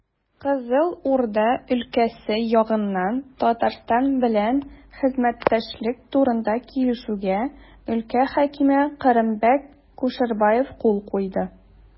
Кызыл Урда өлкәсе ягыннан Татарстан белән хезмәттәшлек турында килешүгә өлкә хакиме Кырымбәк Кушербаев кул куйды.